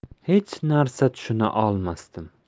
hech narsa tushuna olmasdim